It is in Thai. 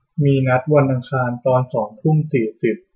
มีนัดวันอังคารตอนสองทุ่มสี่สิบ